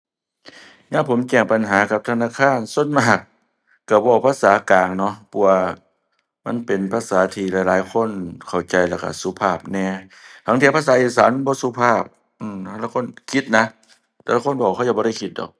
ยามผมแจ้งปัญหากับธนาคารส่วนมากก็เว้าภาษากลางเนาะ เพราะว่ามันเป็นภาษาที่หลายหลายคนเข้าใจแล้วก็สุภาพแหน่ ลางเที่ยภาษาอีสานมันบ่สุภาพ อือ ห่าลางคนคิดนะ แต่คนเว้าเขาเจ้าบ่ได้คิดดอก